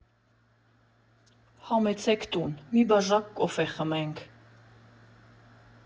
Համեցեք տուն՝ մի բաժակ կոֆե խմենք։